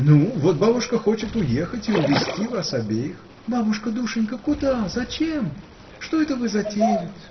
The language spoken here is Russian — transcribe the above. — Ну, вот бабушка хочет уехать и увезти вас обеих. — Бабушка, душенька, куда? Зачем? Что это вы затеяли?